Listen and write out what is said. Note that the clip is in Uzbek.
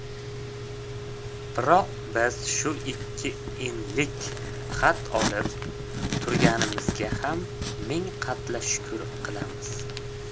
biroq biz shu ikki enlik xat olib turganimizga ham ming qatla shukr qilamiz